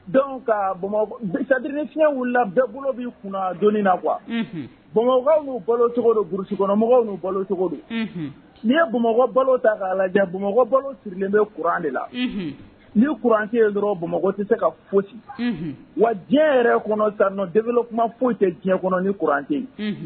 Dɔnku kasa bɛɛ bolo b'i kun don na kuwa bamakɔu balo cogo don kurusi kɔnɔmɔgɔu bolo cogo don nii ye bamakɔ balo ta k'a lajɛ bamakɔ sirilen bɛ kuran de la ni kuranse ye dɔrɔn bamakɔ tɛ se ka foyi ci wa diɲɛ yɛrɛ kɔnɔ sa nɔ de kuma foyi tɛ diɲɛ kɔnɔ ni kurante